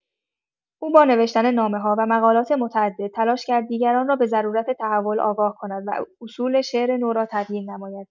او با نوشتن نامه‌ها و مقالات متعدد تلاش کرد دیگران را به ضرورت تحول آگاه کند و اصول شعر نو را تبیین نماید.